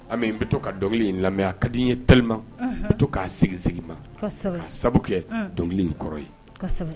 An bɛ to ka dɔnkili in lamɛnya ka di ye tama bɛ to k'a segin segin ma k'a sabu kɛ dɔnkili in kɔrɔ ye